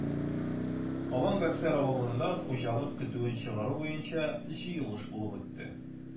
Алан-Бәксәр авылында хуҗалык көтүен чыгару буенча җыелыш булып үтте.